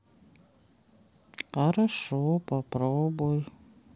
хорошо попробуй